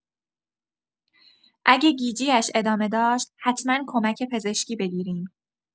اگه گیجی‌اش ادامه داشت، حتما کمک پزشکی بگیرین.